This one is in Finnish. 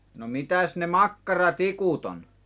no mitäs ne makkaratikut on